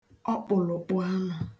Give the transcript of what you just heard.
̀ọkpụ̀lụ̀kpụ anụ